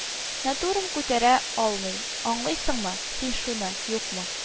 Натурам күтәрә алмый, аңлыйсыңмы син шуны, юкмы